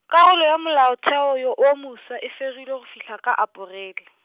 karolo ya molaotheo yo o mofsa e fegilwe go fihla ka Aparele.